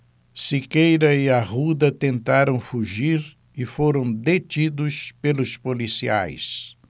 siqueira e arruda tentaram fugir e foram detidos pelos policiais